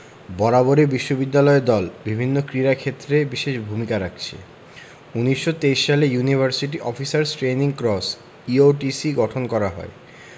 বরাবরই বিশ্ববিদ্যালয় দল বিভিন্ন ক্রীড়াক্ষেত্রে বিশেষ ভূমিকা রাখছে ১৯২৩ সালে university officers training corps UOTC গঠন করা হয়